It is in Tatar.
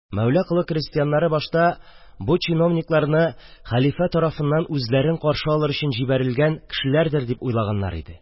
Мәүлә Колы крәстиәннәре башта бу чиновникларны хәлифә тарафыннан үзләрен каршы алыр өчен җибәрелгән кешеләрдер дип уйлаганнар иде.